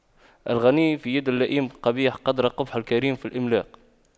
الغنى في يد اللئيم قبيح قدر قبح الكريم في الإملاق